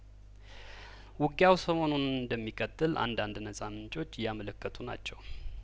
ውጊያው ሰሞኑንም እንደሚቀጥል አንዳንድ ነጻምንጮች እያመላከቱ ናቸው